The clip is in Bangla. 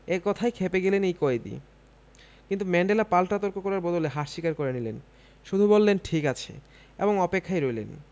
এ কথায় খেপে গেলেন ওই কয়েদি কিন্তু ম্যান্ডেলা পাল্টা তর্ক করার বদলে হার স্বীকার করে নিলেন শুধু বললেন ঠিক আছে এবং অপেক্ষায় রইলেন